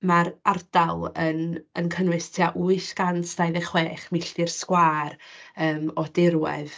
Ma'r ardal yn yn cynnwys tua wyth cant dauddeg chwech milltir sgwâr yym o dirwedd.